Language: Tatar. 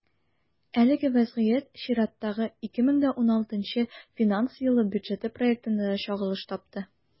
Әлеге вазгыять чираттагы, 2016 финанс елы бюджеты проектында да чагылыш тапты.